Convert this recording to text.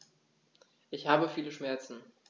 Ich habe viele Schmerzen.